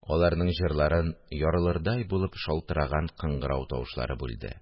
Аларның җырларын ярылырдай булып шалтыраган кыңгырау тавышлары бүлде